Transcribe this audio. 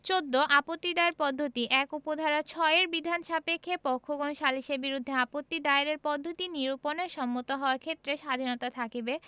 ১৪ আপত্তি দায়ের পদ্ধতিঃ ১ উপ ধারা ৬ এর বিধান সাপেক্ষে পক্ষগণ সালিসের বিরুদ্ধে আপত্তি দায়েরের পদ্ধতি নিরুপণের সম্মত হওয়ার ক্ষেত্রে স্বাধীনতা থাকিবে